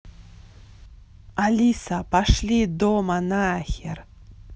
алиса пошли дома нахер